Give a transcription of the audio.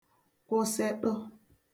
kwụsịtụ